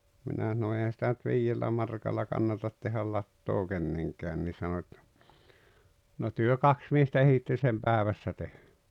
minä sanoin eihän sitä nyt viidellä markalla kannata tehdä latoa kenenkään niin sanoi että no te kaksi miestä ehditte sen päivässä tehdä